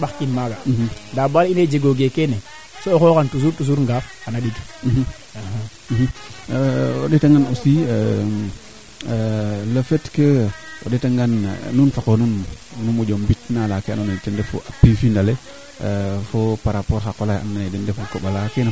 jambiim wiin we mbaa ŋup laŋ ke doole ndaa jambiim a 100 pourcent ke waral na ñako yoon ko ga'a mbina ando naye den fop qol to roogu a ndetaa yo a ngooxa yo o mbiño leŋ awaa ñako jaak naaga a peut pres quatre hectar cinq hectar ndiiki wiin we njambate yoon o xene xaaju a xot maana o xene xaaju a xot maana